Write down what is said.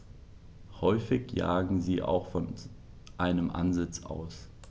Häufig jagen sie auch von einem Ansitz aus.